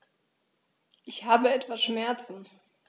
Ich habe etwas Schmerzen.